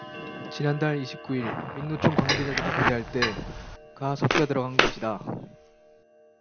지난달 이십 구 일 민노총 관계자들이 교대할 때 가 섞여 들어간 것이다